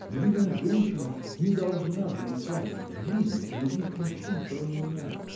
Любимая женщина не должна замечать, видеть других мужчин, кроме меня